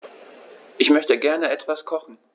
Ich möchte gerne etwas kochen.